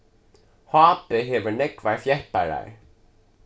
hb hevur nógvar fjepparar